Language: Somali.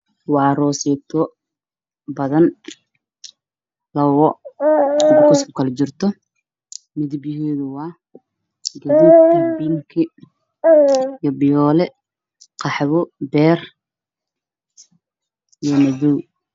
Wa rooseeto badan labo bokis ku kala jirto